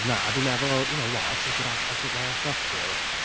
Na, fi’n meddwl, you know what, I take it a- I take my hat off to you.